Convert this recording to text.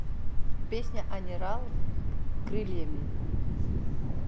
песня anivar крыльями